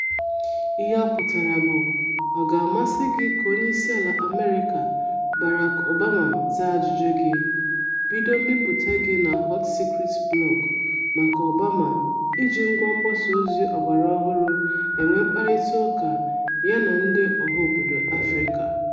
Ihe ọ pụtara bụ, ọ ga-amasị gị ka onyeisiala America, Barack Obama zaa ajụjụ gị?," bido mbipụta gị na Hot Secrets blọọgụ maka Obama iji ngwá mgbasaozi ọgbaraọhụrụ enwe mkparịtaụka ya na ndị ọhaobodo Afrịka.